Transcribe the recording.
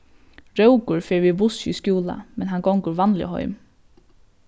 rókur fer við bussi í skúla men hann gongur vanliga heim